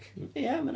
Ie ma' hynna'n...